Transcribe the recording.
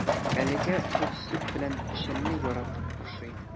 Әлегә ул сөт белән печәнне яратып ашый.